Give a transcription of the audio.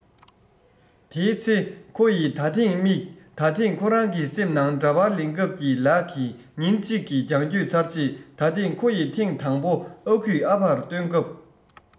དེའི ཚེ ཁོ ཡི ད ཐེངས དམིགས ད ཐེངས ཁོ རང གི སེམས ནང འདྲ པར ལེན སྐབས ཀྱི ལག གི ཉིན གཅིག གི རྒྱང བསྐྱོད ཚར རྗེས ད ཐེངས ཁོ ཡི ཐེངས དང པོ ཨ ཁུས ཨ ཕར བཏོན སྐབས